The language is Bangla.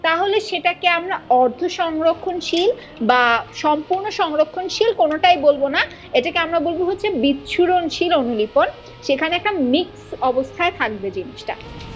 তাহলে সেটাকে আমরা অর্ধ সংরক্ষনশীল বা সম্পুর্ণ সংরক্ষনশীল কোনটাই বলব না এটাকে আমরা বলব হচ্ছে বিচ্ছুরণশীল অনুলিপন সেখানে একটা মিক্স অবস্থায় থাকবে জিনিস টা